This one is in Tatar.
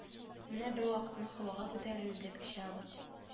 Менә бервакытны һавага күтәрелдек очабыз